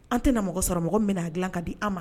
An tɛ na mɔgɔ sɔrɔ mɔgɔ min bɛn'a dilan ka di an ma